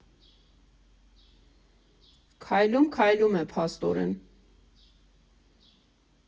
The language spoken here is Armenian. Քայլում, քայլում է փաստորեն։